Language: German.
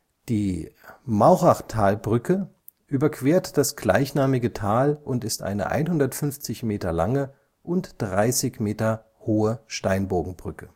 Die Mauchachtalbrücke überquert das gleichnamige Tal und ist eine 150 Meter lang und 30 Meter Steinbogenbrücke